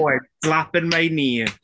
Oh I'm slapping my knee.